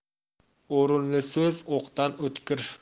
o'rinli so'z o'qdan o'tkir